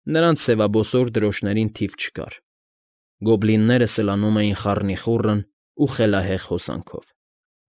Նրանց սևաբոսոր դրոշներին թիվ չկար։ Գոբլինները սլանում էին խառնիխուռն ու խելահեղ հոսանքով։